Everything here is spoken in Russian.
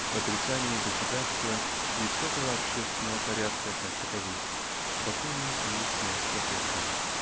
в отрицании государства и всякого общественного порядка как таковых (Бакунин и князь Кропоткин).